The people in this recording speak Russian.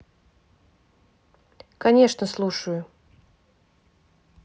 конечно слушаю